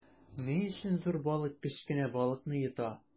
Ни өчен зур балык кечкенә балыкны йота?